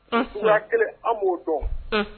' kelen an b'o dɔn